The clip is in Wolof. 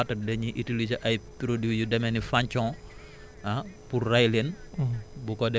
voilà boo leen di combattre dañuy utiliser ay produits yu demee ni fenthion ah pour rey leen